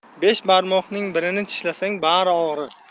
besh barmoqning birini tishlasang bari og'rir